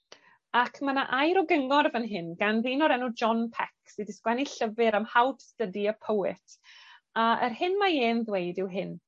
Ac ma' 'na air o gyngor fan hyn gan ddyn o'r enw John Pecks sy 'di sgwennu llyfyr am How to Study a Poet. A yr hyn mae e'n ddweud yw hyn,